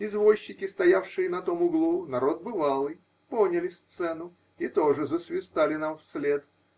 Извозчики, стоявшие на том углу, народ бывалый, поняли сцену и тоже засвистали нам вслед.